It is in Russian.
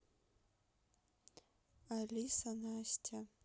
алиса настя